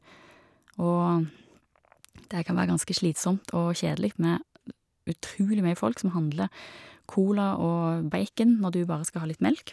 Og det kan være ganske slitsomt og kjedelig med utrolig mye folk som handler Cola og bacon når du bare skal ha litt melk.